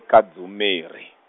ka Dzumeri.